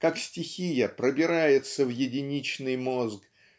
как стихия пробирается в единичный мозг